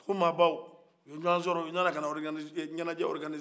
dugumabaw u ye ɲɔgɔn sɔrɔ u nana ka ɲɛnajɛ organise